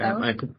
Dewr. O mae gw-